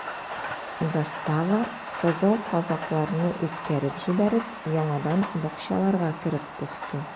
Застава, кызыл казакларны үткәреп җибәреп, яңадан бакчаларга кереп посты.